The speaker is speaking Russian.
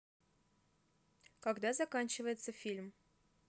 когда заканчивается фильм